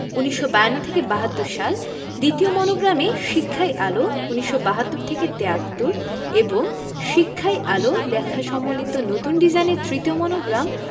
১৯৫২ থেকে ৭২ দ্বিতীয় মনোগ্রামে শিক্ষাই আলো ১৯৭২ থেকে ৭৩ এবং শিক্ষাই আলো লেখা সম্বলিত নতুন ডিজাইনের তৃতীয় মনোগ্রাম